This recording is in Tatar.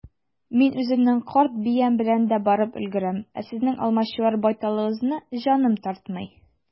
Мин үземнең карт биям белән дә барып өлгерәм, ә сезнең алмачуар байталыгызны җаным тартмый.